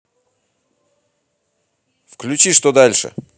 включи что дальше